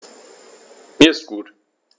Mir ist gut.